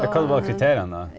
ja hva det var kriteria da?